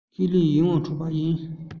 ཁས ལེན ཡིད དབང འཕྲོག པ ཞིག ཡིན